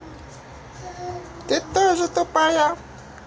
ты тоже тупая